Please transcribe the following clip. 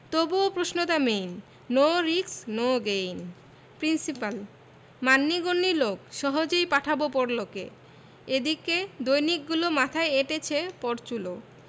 তবুও প্রশ্নটা main no risk no gain principle মান্যিগন্যি লোক সহজেই পাঠাবো পরলোকে এদিকে দৈনিকগুলো মাথায় এঁটেছে পরচুলো